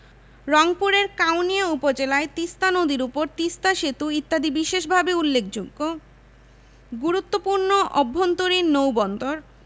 রেলপথ ২হাজার ৮৯১ কিলোমিটার নৌপথ ৮হাজার ৯০০ কিলোমিটার